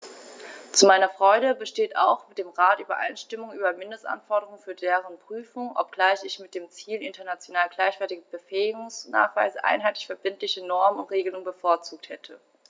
Zu meiner Freude besteht auch mit dem Rat Übereinstimmung über Mindestanforderungen für deren Prüfung, obgleich ich mit dem Ziel international gleichwertiger Befähigungsnachweise einheitliche verbindliche Normen und Regelungen bevorzugt hätte.